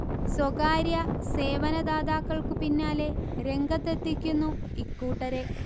സ്വകാര്യ സേവന ദാതാക്കൾക്കു പിന്നാലെ രംഗത്തെത്തിക്കുന്നു ഇക്കൂട്ടരെ